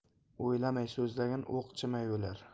o'ylamay so'zlagan o'qchimay o'lar